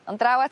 On' draw at...